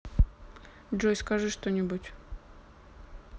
джой скажи что нибудь